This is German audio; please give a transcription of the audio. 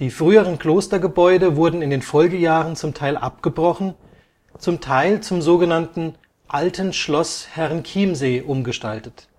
früheren Klostergebäude wurden in den Folgejahren zum Teil abgebrochen, zum Teil zum sogenannten Alten Schloss Herrenchiemsee umgestaltet